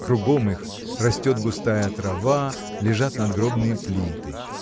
Кругом их растет густая трава, лежат надгробные плиты.